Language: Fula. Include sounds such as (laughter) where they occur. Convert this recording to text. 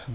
(hesitation) (hesitation)